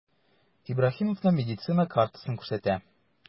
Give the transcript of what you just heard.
Ибраһимовның медицина картасын күрсәтә.